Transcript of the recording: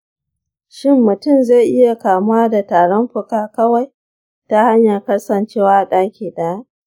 shin mutum zai iya kamuwa da tarin fuka kawai ta hanyar kasancewa a daki ɗaya?